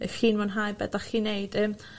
'ych chi'n mwynhau be' 'dach chi'n neud yym